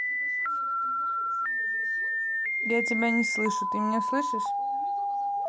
я тебя не слышу ты меня слышишь